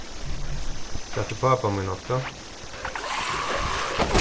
sært tú pápa mín ofta